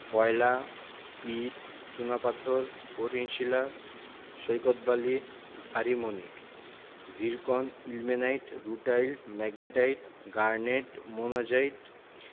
কয়লা পিট চুনাপাথর কঠিন শিলা সৈকত বালি ভারি মণিক zircon ilmenite rutile magnetite garnet monazite